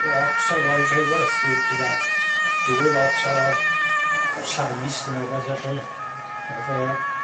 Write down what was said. lot o'dd o isio werthu duda dwy lot o saith neu rwbath felly neu ddeg